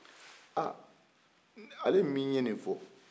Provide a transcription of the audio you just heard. aa ale min ye nin fɔ